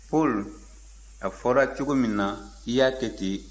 paul a fɔra cogo min na i y'a kɛ ten